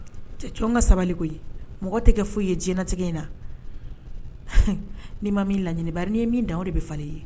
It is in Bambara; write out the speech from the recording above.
Cɛc ka sabali koyi ye mɔgɔ tɛ kɛ foyi ye jinɛɲɛnatigɛ in na n'i ma min laɲini n'i ye min da o de bɛ falen ye